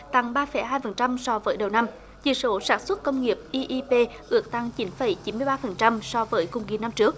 tăng ba phẩy hai phần trăm so với đầu năm chỉ số sản xuất công nghiệp i i pê ước tăng chín phẩy chín mươi ba phần trăm so với cùng kỳ năm trước